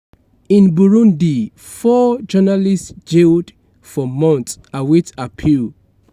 In Burundi, four journalists jailed for months await appeal